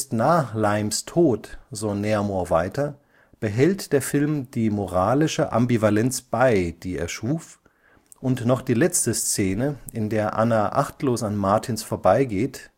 nach Limes Tod, so Naremore weiter, behält der Film die moralische Ambivalenz bei, die er schuf, und noch die letzte Szene, in der Anna achtlos an Martins vorbeigeht